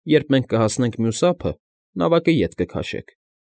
Երբ մենք կհասնենք մյուս ափը, նավակը ետ կքաշեք։